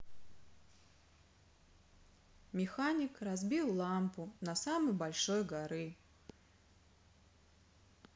механик разбил лампу на самой большой горы